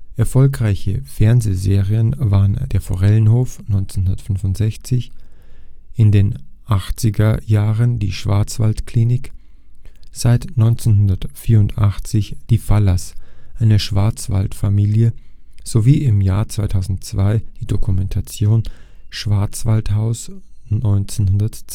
Erfolgreiche Fernsehserien waren Der Forellenhof (1965), in den 1980er Jahren Die Schwarzwaldklinik, seit 1994 Die Fallers – Eine Schwarzwaldfamilie sowie im Jahr 2002 die Dokumentation Schwarzwaldhaus 1902